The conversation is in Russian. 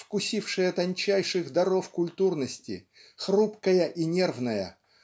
вкусившая тончайших даров культурности хрупкая и нервная